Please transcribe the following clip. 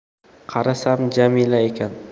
qarasam jamila ekan